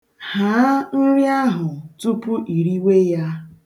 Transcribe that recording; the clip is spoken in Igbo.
Haa nri ahụ tupu iriwe ya.